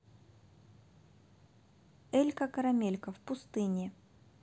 элька карамелька в пустыне